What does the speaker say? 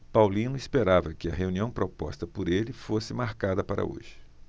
paulino esperava que a reunião proposta por ele fosse marcada para hoje